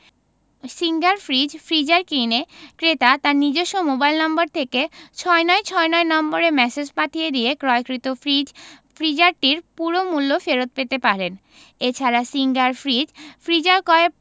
singer fridge freezer কিনে ক্রেতা তার নিজস্ব মোবাইল নম্বর থেকে ৬৯৬৯ নম্বরে ম্যাসেজ পাঠিয়ে দিয়ে ক্রয়কৃত ফ্রিজ/ফ্রিজারটির পুরো মূল্য ফেরত পেতে পারেন এ ছাড়া সিঙ্গার ফ্রিজ/ফ্রিজার ক্রয়ে